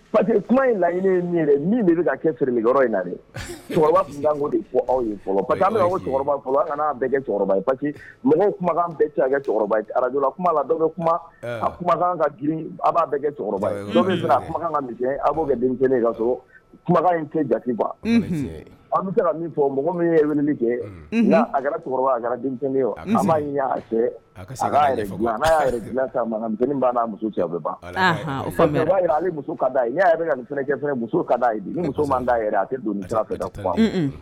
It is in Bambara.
Pa que kuma in laɲini min kɛ siri in na cɛkɔrɔba aw kɛ ye pa mɔgɔw kumakan araj dɔw kuma a b'a kɛ kumakan ka' kɛ den ka kumakan kɛ jaki ban an bɛ min mɔgɔ min kɛ a kɛra cɛkɔrɔba a den cɛ ta cɛ o b'a jira ka nin ka muso kuma